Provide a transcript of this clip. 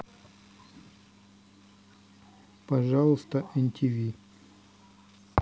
пожалуйста нтв